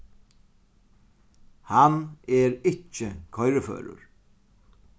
hann er ikki koyriførur